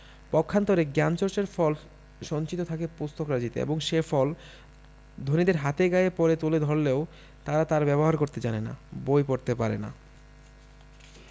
পক্ষান্তরে জ্ঞানচর্চার ফল সঞ্চিত থাকে পুস্তকরাজিতে এবং সে ফল ধনীদের হাতে গায়ে পড়ে তুলে ধরলেও তারা তার ব্যবহার করতে জানে না বই পড়তে পারে না